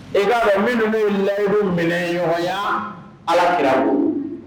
I b'a fɛ minnu layi minɛ nɔgɔya ala kirara